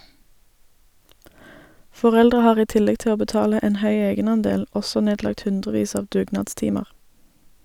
Foreldre har i tillegg til å betale en høy egenandel også nedlagt hundrevis av dugnadstimer.